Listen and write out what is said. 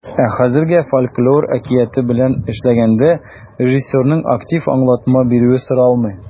Ә хәзергә фольклор әкияте белән эшләгәндә режиссерның актив аңлатма бирүе соралмый.